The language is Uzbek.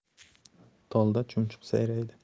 tolda chumchuq sayraydi